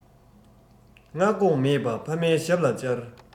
སྔ དགོང མེད པ ཕ མའི ཞབས ལ བཅར